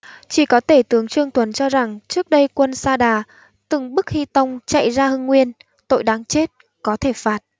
chỉ có tể tướng trương tuấn cho rằng trước đây quân sa đà từng bức hi tông chạy ra hưng nguyên tội đáng chết có thể phạt